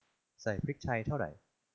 ใส่พริกไทยเท่าไร